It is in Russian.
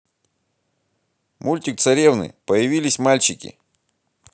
мультик царевны появились мальчики